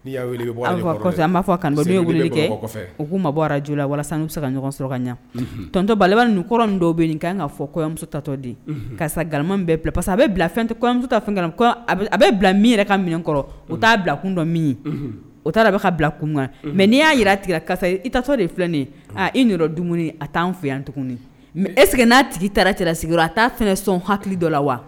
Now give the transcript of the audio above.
B'a fɔ weele kɛ kɔfɛ u mabɔ bɔj la bɛ se ka ɲɔgɔn sɔrɔ ka ɲɛ tɔnontɔba ninnu kɔrɔ dɔw bɛ ka kan ka fɔ kɔmuso tatɔ di karisa gaman bɛɛ bila pasa amuso fɛn a bɛ bila min yɛrɛ ka minɛn kɔrɔ o t'a bila kun dɔ min o taara a bɛ ka bila kun mɛ n'i y'a jira tigɛ karisa ye itɔ de filɛ aa i dumuni a taa an fɛ yan tuguni e seginna n'a tigi taara cɛla sigi a taa f sɔn hakili dɔ la wa